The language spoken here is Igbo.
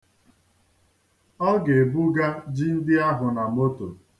Ọ ga-ebuga ji ndị ahụ na moto.